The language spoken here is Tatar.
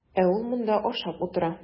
Ә ул монда ашап утыра.